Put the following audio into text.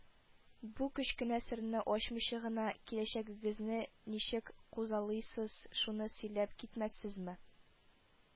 Бу кечкенә серне ачмыйча гына, киләчәгегезне ничек күзаллыйсыз – шуны сөйләп китмәссезме